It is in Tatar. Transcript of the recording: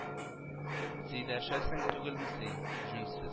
Сөйләшәсең түгелме син, җүнсез